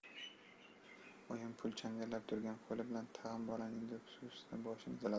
oyim pul changallab turgan qo'li bilan tag'in bolaning do'ppisi ustidan boshini siladi